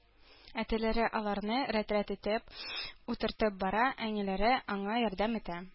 Әтиләре аларны рәт-рәт итеп утыртып бара, әниләре аңа ярдәм итә